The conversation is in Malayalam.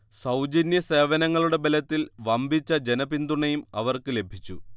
സൗജന്യ സേവനങ്ങളുടെ ബലത്തിൽ വമ്പിച്ച ജനപിന്തുണയും അവർക്ക് ലഭിച്ചു